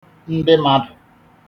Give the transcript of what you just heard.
ndị māḍụ̀